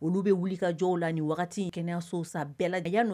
Olu bɛ wuli kajɔw la nin wagati kɛnɛya so sa bɛɛ la ya no